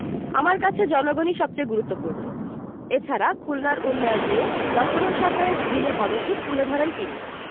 আমার কাছে জনগণই সবচেয়ে গুরুত্বপূর্ণ এছাড়া খুলনার উন্নয়ন নিয়ে বর্তমান সরকারের বিভিন্ন পদক্ষেপ তুলে ধরেন তিনি